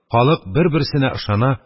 Халык бер-берсенә ышана,